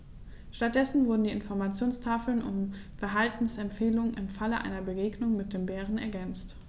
Stattdessen wurden die Informationstafeln um Verhaltensempfehlungen im Falle einer Begegnung mit dem Bären ergänzt.